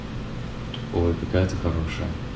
ой какая ты хорошая